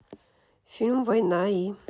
фильм война и